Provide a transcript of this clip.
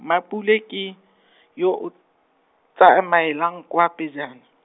Mmapule ke, yo o, tsamaelang kwa pejana.